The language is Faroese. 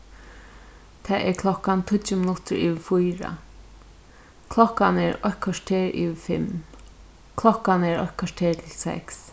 tað er klokkan tíggju minuttir yvir fýra klokkan er eitt korter yvir fimm klokkan er eitt korter til seks